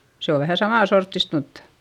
se on vähän saman sorttista mutta